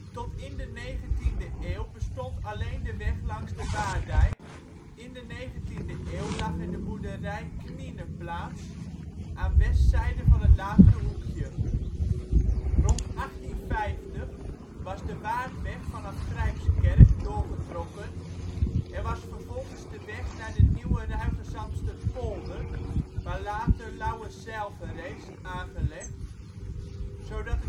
Tot in de 19e eeuw bestond alleen de weg langs de Waarddijk. In de 19e eeuw lag er de boerderij ' Knieneplaats ' aan westzijde van het latere Hoekje. Rond 1850 was de Waardweg vanaf Grijpskerk doorgetrokken en was vervolgens de weg naar de Nieuwe Ruigezandsterpolder (waar later Lauwerzijl verrees) aangelegd, zodat